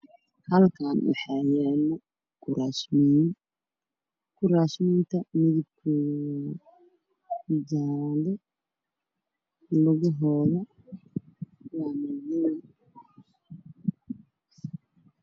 Halkan waxayalo kursman midabkode waa jale lugahan wa madow